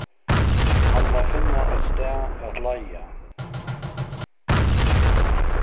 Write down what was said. hann má finna eitt stað at leiga